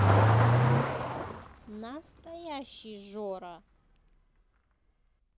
настоящий жора